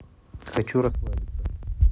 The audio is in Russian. хочу расслабиться